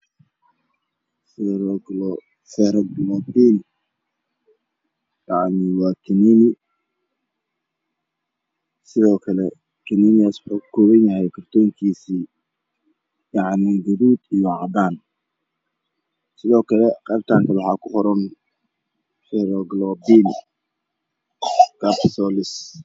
Meeshaan waa xayeysiin background iyo waa caddaan waxaa ii muuqda buug kalarkiisu yahay gudoomiye oo xaggeys ku yaalla cagaar